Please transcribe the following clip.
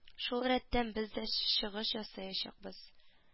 Шул рәттән без дә чыгыш ясаячакбыз